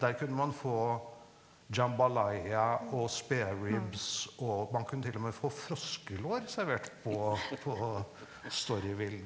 der kunne man få jambalaya og spareribs, og man kunne t.o.m. få froskelår servert på på Storyville.